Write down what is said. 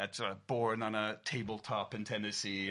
A ti'bod Born on a Tabletop in Tennessee... Ia...